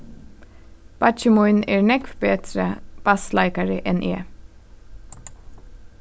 beiggi mín er nógv betri bassleikari enn eg